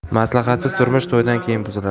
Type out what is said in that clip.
maslahatsiz turmush to'ydan keyin buzilar